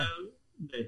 Yndi.